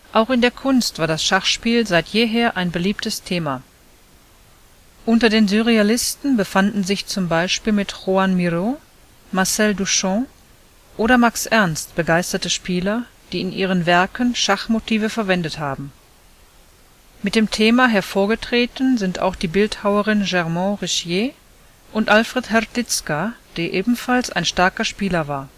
Auch in der Kunst war das Schachspiel seit jeher ein beliebtes Thema. Unter den Surrealisten befanden sich z. B. mit Joan Miró, Marcel Duchamp oder Max Ernst begeisterte Spieler, die in ihren Werken Schachmotive verwendet haben. Mit dem Thema hervorgetreten sind auch die Bildhauerin Germaine Richier und Alfred Hrdlicka, der ebenfalls ein starker Spieler war